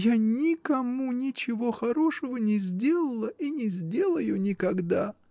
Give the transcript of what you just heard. Я никому ничего хорошего не сделала и не сделаю никогда!.